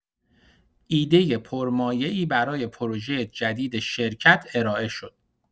ایده پرمایه‌ای برای پروژه جدید شرکت ارائه شد.